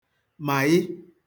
màyị